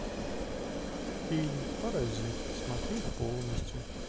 фильм паразиты смотреть полностью